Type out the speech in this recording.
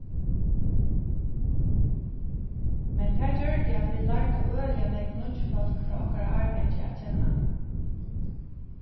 men tað gjørdi at vit lærdu øgiliga nógv nýggj fólk frá okkara árgangi at kenna